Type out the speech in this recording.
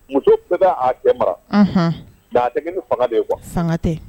Muso bɛ bɛ' gɛn mara laada tɛ ni faga de kɔ fanga tɛ